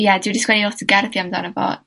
ie dwi 'di sgwennu lot o gerddi amdano fo.